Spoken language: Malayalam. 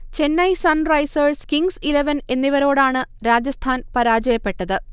ചെന്നൈ സൺറൈസേഴ്സ്, കിങ്സ് ഇലവൻ എന്നിവരോടാണ് രാജസ്ഥാൻ പരാജയപ്പെട്ടത്